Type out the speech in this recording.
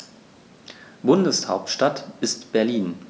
Bundeshauptstadt ist Berlin.